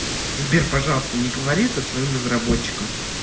сбер пожалуйста не говори это своим разработчикам